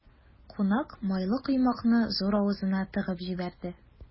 Кунак майлы коймакны зур авызына тыгып җибәрде.